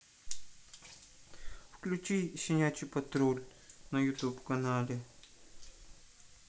включи щенячий патруль на ютуб канале